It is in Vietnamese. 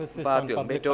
và tuyến mê trô